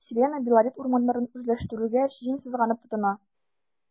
“селена” белорет урманнарын үзләштерүгә җиң сызганып тотына.